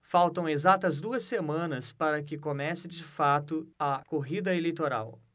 faltam exatas duas semanas para que comece de fato a corrida eleitoral